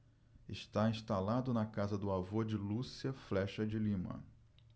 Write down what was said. está instalado na casa do avô de lúcia flexa de lima